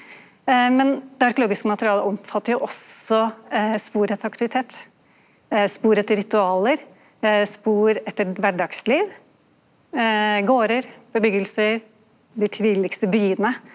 men det arkeologiske materialet omfattar jo også spor etter aktivitet, spor etter ritual, spor etter kvardagsliv, gardar, bygningar, dei tidlegaste byane.